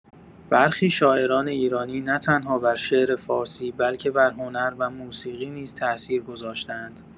برخی شاعران ایرانی نه‌تنها بر شعر فارسی بلکه بر هنر و موسیقی نیز تاثیر گذاشته‌اند.